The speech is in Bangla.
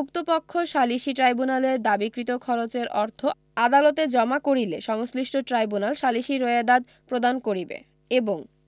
উক্ত পক্ষ সালিসী ট্রাইব্যুনালের দাবীকৃত খরচের অর্থ আদালত জমা করিলে সংশ্লিষ্ট ট্রাইব্যুনাল সালিসী বোয়েদাদ প্রদান করিবে এবং